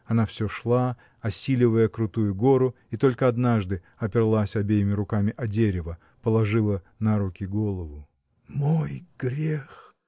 Она всё шла, осиливая крутую гору, и только однажды оперлась обеими руками о дерево, положила на руки голову. — Мой грех!